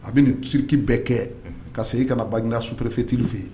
A bɛ kiki bɛɛ kɛ ka se i ka bada supre fitiri fɛ yen